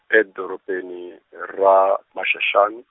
edorobeni ra, Maxaxani.